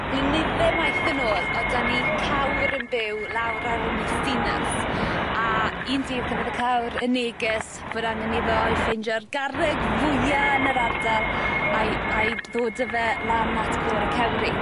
Blinydde maeth yn ôl o'dd 'da ni cawr yn byw lawr ar ynys dinas a un dydd cafodd y cawr y neges fod angen iddo ei ffeindio'r garreg fwya yn yr ardal a'i a'i ddod â fe lan at Côr y Cewri.